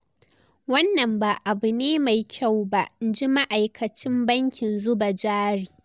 Wannan ba abu ne mai kyau ba, "in ji ma’aikacin bankin zuba jari.